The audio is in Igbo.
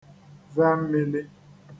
ve mmīlī